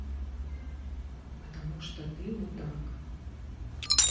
потому что ты мудак